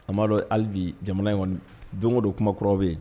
A b'a dɔn hali bi jamana jɔngo don kuma kɔrɔ bɛ ye